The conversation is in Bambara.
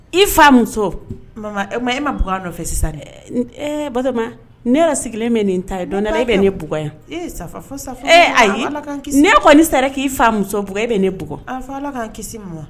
I fa muso e e ma bug nɔfɛ sisan dɛ ba ne yɛrɛ sigilen bɛ nin ta ye dɔn e ne bug yan ayi kɔni sara k'i fa musoug e bɛ ne bug